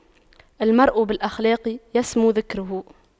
المرء بالأخلاق يسمو ذكره